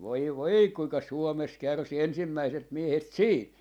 voi voi kuinka Suomessa kärsi ensimmäiset miehet siitä